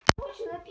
когда боги смеются